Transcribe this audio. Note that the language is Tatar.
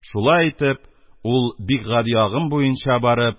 Шулай итеп, ул, бик гади агым буенча барып,